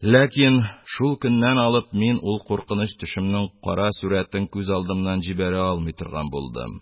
Ләкин шул көннән алып мин ул куркыныч төшемнең кара сурәтен күз алдымнан җибәрә алмый торган булдым: